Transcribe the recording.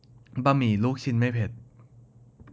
บะหมี่ลูกชิ้นไม่เผ็ด